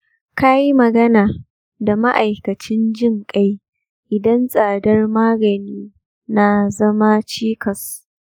ka yi magana da ma’aikacin jin-ƙai idan tsadar magani na zama cikas.